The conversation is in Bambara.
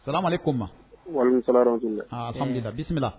Sara ko ma bisimila